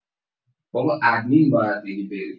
بابا ادمین باید بگه برید